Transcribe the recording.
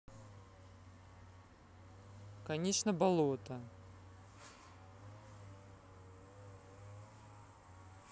конечно болото